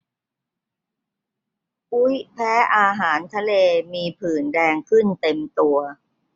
อุ้ยแพ้อาหารทะเลมีผื่นแดงขึ้นเต็มตัว